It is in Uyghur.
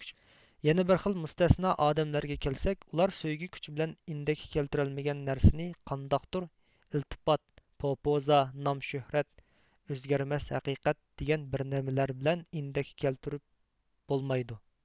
يەنە بىر خىل مۇستەسنا ئادەملەرگە كەلسەك ئۇلار سۆيگۈ كۈچى بىلەن ئىندەككە كەلتۈرەلمىگەن نەرسىنى قانداقتۇر ئىلتپات پوپوزا نام شۆھرەت ئۆزگەرمەس ھەقىقەت دېگەن بىرنېمىلەر بىلەن ئىندەككە كەلتۈرۈپ بولمايدۇ